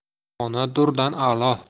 dono durdan a'lo